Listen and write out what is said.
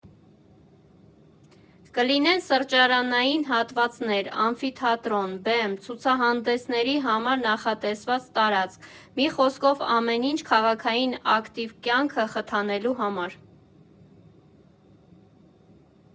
Կլինեն սրճարանային հատվածներ, ամֆիթատրոն, բեմ, ցուցահանդեսների համար նախատեսված տարածք՝ մի խոսքով ամեն ինչ քաղաքային ակտիվ կյանքը խթանելու համար։